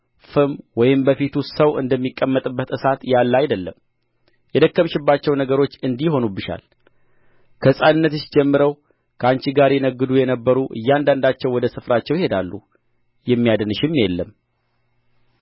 ፍም ወይም በፊቱ ሰው እንደሚቀመጥበት እሳት ያለ አይደለም የደከምሽባቸው ነገሮች እንዲህ ይሆኑብሻል ከሕፃንነትሽ ጀምረው ከአንቺ ጋር ይነግዱ የነበሩ እያንዳንዳቸው ወደ ስፍራቸው ይሄዳሉ የሚያድንሽም የለም